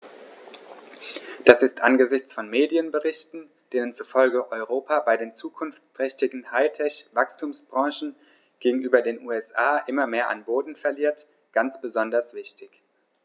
Das ist angesichts von Medienberichten, denen zufolge Europa bei den zukunftsträchtigen High-Tech-Wachstumsbranchen gegenüber den USA immer mehr an Boden verliert, ganz besonders wichtig.